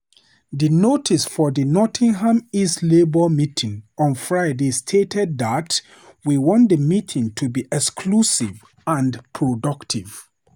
The notice for the Nottingham East Labour meeting on Friday stated that "we want the meetings to be inclusive and productive."